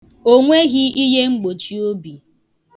O nweghị ihemgbochiobi.